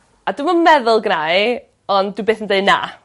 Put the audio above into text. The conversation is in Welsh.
A dwi'm yn meddwl gwna i ond dwi byth yn deu' na.